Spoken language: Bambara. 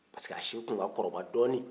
parce que a si tun ka kɔrɔba dɔɔnin